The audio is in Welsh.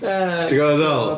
Ti'n gwbod be dwi'n feddwl?